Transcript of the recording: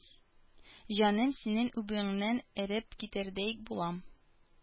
Җаным, синең үбүеңнән эреп китәрдәй булам.